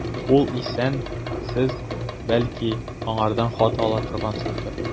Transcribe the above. Ул исән, сез, бәлки, аңардан хат ала торгансыздыр.